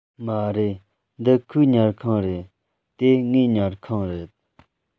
མ རེད འདི ཁོའི ཉལ ཁང རེད དེ ངའི ཉལ ཁང རེད